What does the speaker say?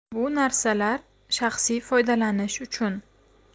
bu narsalar shaxsiy foydalanish uchun